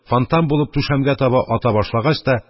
Фонтан булып түшәмгә таба ата башлагач та,